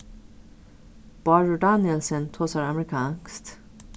bárður danielsen tosar amerikanskt